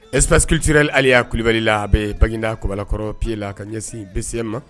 Espace culturel Aliya Kulibali la a be Banguinda Kɔbalakɔrɔ pieds la k'a ɲɛsin BCM ma